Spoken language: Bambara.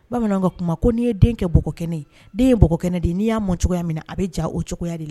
Bamananw ka kuma ko n'i ye den kɛ b kɛnɛ ye den ye b kɛnɛ de n'i y'a man cogoyaya min a bɛ diya o cogoyaya de la